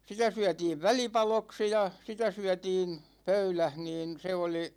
sitä syötiin välipaloiksi ja sitä syötiin pöydässä niin se oli